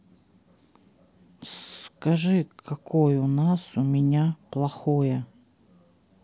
скажи какой у нас у меня плохое